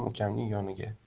oyim ukamning yoniga